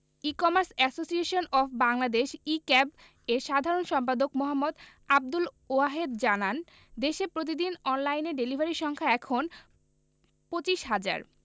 E commerce association of Bangladesh e CAB এর সাধারণ সম্পাদক মো. আবদুল ওয়াহেদ জানান দেশে প্রতিদিন অনলাইন ডেলিভারি সংখ্যা এখন ২৫ হাজার